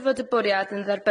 fod y bwriad yn dderbyniol